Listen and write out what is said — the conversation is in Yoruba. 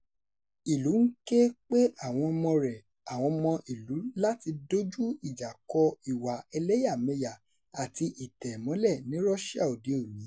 Ìlú ń ké pe àwọn ọmọ rẹ̀ (àwọn ọmọ ìlú) láti dojú ìjà kọ ìwà elẹ́yàmẹyà àti ìtẹ̀mọ́lẹ̀ ní Russia òde-òní.